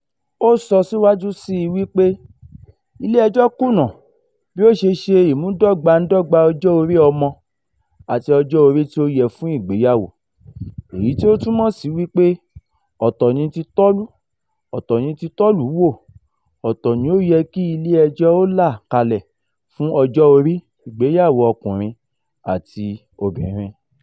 Ó sọ síwájú sí i wípé ilé ẹjọ́ kùnà bí ó ṣe “ṣe ìmúdọ́gbandọ́gba ọjọ́ orí ọmọ àti ọjọ́ orí tí ó yẹ fún ìgbéyàwó”, èyí tí ó túmọ̀ sí wípé ọ̀tọ̀ ni ti tọ́lú ọ̀tọ̀ ni ti tọ́lùú wò, ọ̀tọ̀ ni ó yẹ kí ilé ẹjọ́ ó là kalẹ̀ fún ọjọ́ orí ìgbéyàwó ọkùnrin àti obìnrin.